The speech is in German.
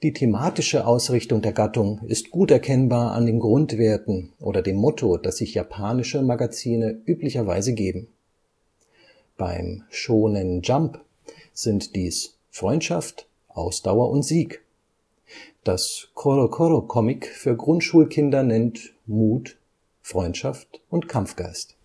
thematische Ausrichtung der Gattung ist gut erkennbar an den Grundwerten oder dem Motto, das sich japanische Magazine üblicherweise geben. Beim Shōnen Jump sind dies „ Freundschaft, Ausdauer und Sieg “, das CoroCoro Comic für Grundschulkinder nennt „ Mut, Freundschaft und Kampfgeist